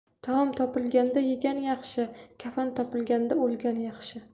taom topilganda yegan yaxshi kafan topilganda o'lgan yaxshi